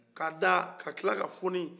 ka da ka tila ka foni